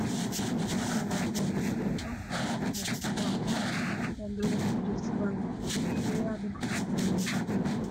Kani waa bonbalo haaf ah waxaa ugu jiro suwaal cadaan ah